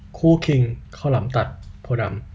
คู่คิงข้าวหลามตัดโพธิ์ดำ